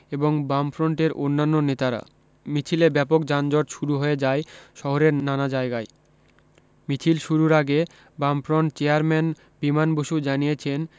এবং বামফর্ন্টের অন্যান্য নেতারা মিছিলে ব্যাপক যানজট শুরু হয়ে যায় শহরের নানা জায়গায় মিছিল শুরুর আগে বামফর্ন্ট চ্যেয়ারম্যান বিমান বসু জানিয়েছেন